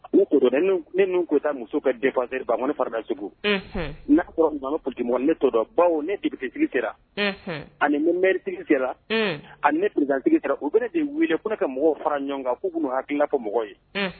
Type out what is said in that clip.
A ko ne kota muso ka denfa ban ko ni farada segu n' kɔrɔ pti ne tɔ baw ne tigisigi sera ani munme tigi sera ani ne psigi u bɛ de wele ne ka mɔgɔw fara ɲɔgɔn kan k'u hakili fɔ mɔgɔ ye